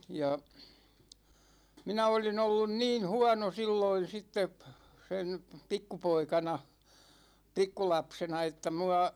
ja minä olin ollut niin huono silloin sitten sen pikkupoikana pikkulapsena että minua